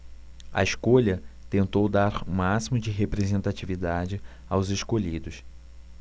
a escolha tentou dar o máximo de representatividade aos escolhidos